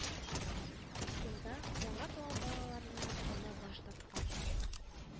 Елда яңа туган балаларыннан ана баш тарткан